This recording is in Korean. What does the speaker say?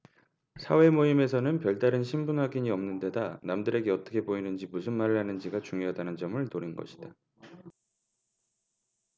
사회모임에서는 별다른 신분 확인이 없는 데다 남들에게 어떻게 보이는지 무슨 말을 하는지가 중요하다는 점을 노린 것이다